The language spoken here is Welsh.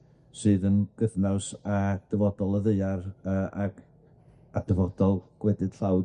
sydd yn gydnaws â dyfodol y ddaear yy ac a dyfodol gwledydd tlawd?